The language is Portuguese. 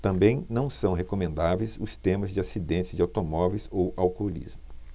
também não são recomendáveis os temas de acidentes de automóveis ou alcoolismo